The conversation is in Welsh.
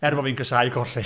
Er bod fi'n casáu colli.